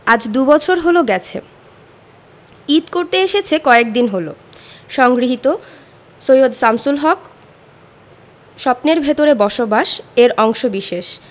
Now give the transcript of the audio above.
আজ দুবছর হলো গেছে ঈদ করতে এসেছে কয়েকদিন হলো সংগৃহীত সৈয়দ শামসুল হক স্বপ্নের ভেতরে বসবাস এর অংশবিশেষ